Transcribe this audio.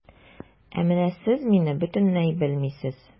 Ә менә сез мине бөтенләй белмисез.